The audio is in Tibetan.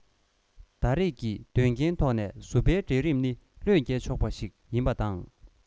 ད རེས ཀྱི དོན རྐྱེན ཐོག ནས བཟོ པའི གྲལ རིམ ནི བློས འགེལ ཆོག པ ཞིག ཡིན པ དང